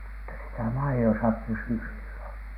mutta sitä maidossa pysyi silloin